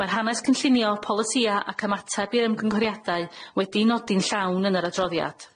Ma'r hanes cynllunio, polisïa' ac ymateb i'r ymgynghoriadau wedi'u nodi'n llawn yn yr adroddiad.